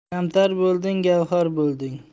kamtar bo'lding gavhar bo'lding